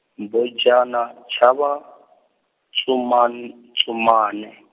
Mbhojana chava, tsuman-, tsumani.